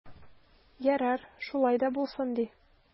Ярар, шулай да булсын ди.